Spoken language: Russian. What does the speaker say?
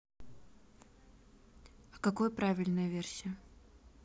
а какое правильная версия